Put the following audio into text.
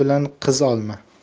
bilan qiz olma